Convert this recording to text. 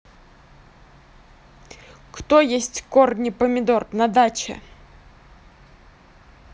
кто есть корни помидор на даче